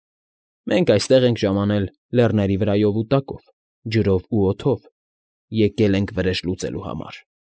Մենք այստեղ ենք ժամանել լեռների վրայով ու տակով, ջրով ու օդով, եկել ենք վրեժ լուծելու համար։